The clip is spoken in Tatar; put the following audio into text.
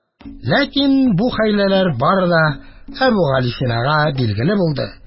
Ләкин бу хәйләләр бары да Әбүгалисинага билгеле булды,